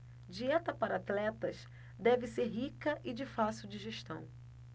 dieta para atletas deve ser rica e de fácil digestão